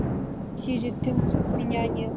сири ты меня нет